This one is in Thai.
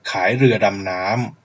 ขายเรือดำน้ำ